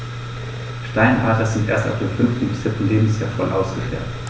Steinadler sind erst ab dem 5. bis 7. Lebensjahr voll ausgefärbt.